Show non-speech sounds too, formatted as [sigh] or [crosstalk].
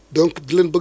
[hesitation] [hesitation]